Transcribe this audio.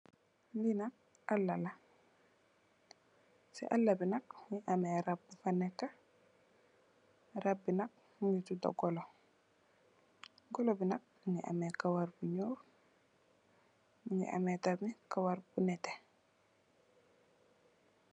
Li nak alla la, ci alla bi nak mungi am rap bufa neka, rab bi nak mungi tudda golo. Golo bi nak mungi am colour bu ñuul ak colour bu neteh.